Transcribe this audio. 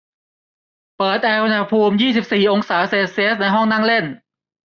เปิดแอร์อุณหภูมิยี่สิบสี่องศาเซลเซียสในห้องนั่งเล่น